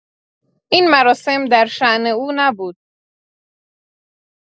این مراسم درشان او نبود.